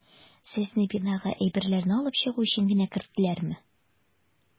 Сезне бинага әйберләрне алып чыгу өчен генә керттеләрме?